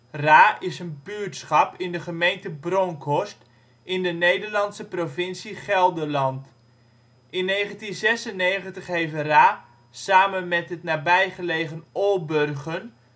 Rha is een buurtschap in de gemeente Bronckhorst in de Nederlandse provincie Gelderland. In 1996 heeft Rha samen met het nabijgelegen Olburgen